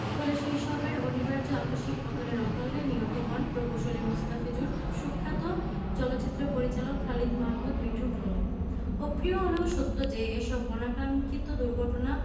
ফলে সে সবের অনিবার্য আকস্মিক পতনে অকালে নিহত হন প্রকৌশলী মোস্তাফিজুর সুখ্যাত চলচ্চিত্র পরিচালক খালিদ মাহমুদ মিঠু প্রমুখ অপ্রিয় হলেও সত্য যে এসব অনাকাক্সিক্ষত দুর্ঘটনা